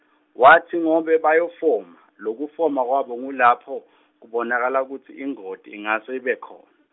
watsi ngobe bayafoma, lokufoma kwabo ngulapho, kubonakala kutsi ingoti ingase ibe khon- .